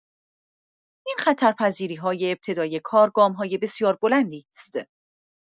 این خطرپذیری‌های ابتدای کار گام‌های بسیار بلندی است.